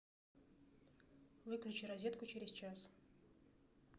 выключи розетку через час